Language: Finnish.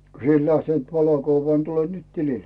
kun sinä et lähtenyt valokuvaan niin tule nyt tilille